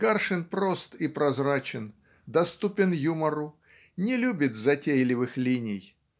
Гаршин прост и прозрачен, доступен юмору, не любит затейливых линий.